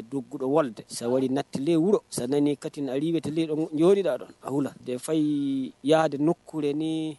Don g sa na san ni kati ali bɛ dɔn a de fa ye ya de ni ko ni